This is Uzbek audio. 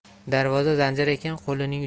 darvoza zanjir ekan qo'lining